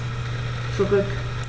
Zurück.